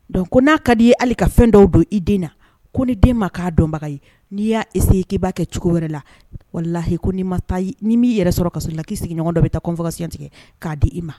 Don ko n'a ka'i ale ka fɛn dɔw don i den na ko ni den ma k'a dɔnbaga ye n'i y'a ese k'i'a kɛ cogo wɛrɛ la wala ko n'i ma taa m'i yɛrɛ sɔrɔ ka la k'i sigiɲɔgɔn dɔ bɛ taafasiya tigɛ k'a di i ma